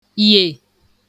yè